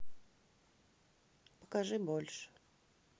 покажи больше